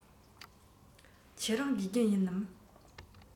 ཁྱེད རང དགེ རྒན ཡིན ནམ